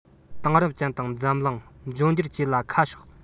དེང རབས ཅན དང འཛམ གླིང འབྱུང འགྱུར བཅས ལ ཁ ཕྱོགས